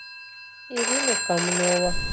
ирина комнова